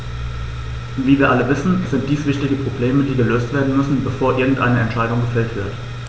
Wie wir alle wissen, sind dies wichtige Probleme, die gelöst werden müssen, bevor irgendeine Entscheidung gefällt wird.